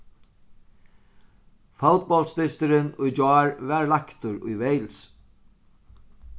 fótbóltsdysturin í gjár varð leiktur í wales